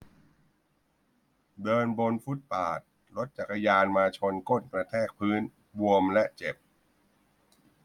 เดินบนฟุตบาทรถจักรยานมาชนก้นกระแทกพื้นบวมและเจ็บ